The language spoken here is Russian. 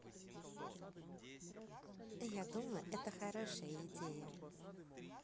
я думаю это хорошая идея